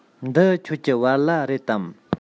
འདི ཁྱོད ཀྱི བལ ལྭ རེད དམ